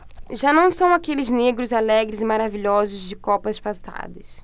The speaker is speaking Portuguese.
já não são aqueles negros alegres e maravilhosos de copas passadas